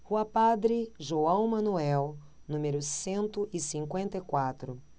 rua padre joão manuel número cento e cinquenta e quatro